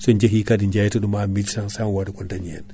so jeeyi kaadi yeyta ɗum en 1500 woda ko dañi hen